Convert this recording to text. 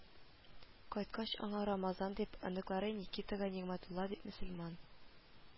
Кайткач, аңа рамазан дип, оныклары никитага нигъмәтулла дип мөселман